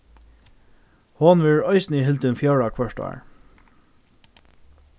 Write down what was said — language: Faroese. hon verður eisini hildin fjórða hvørt ár